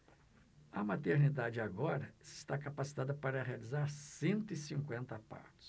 a maternidade agora está capacitada para realizar cento e cinquenta partos